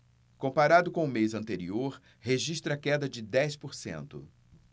comparado com o mês anterior registra queda de dez por cento